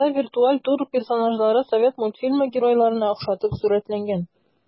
Анда виртуаль тур персонажлары совет мультфильмы геройларына охшатып сурәтләнгән.